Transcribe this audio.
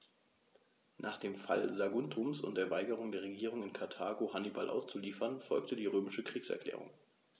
Nach dem Fall Saguntums und der Weigerung der Regierung in Karthago, Hannibal auszuliefern, folgte die römische Kriegserklärung.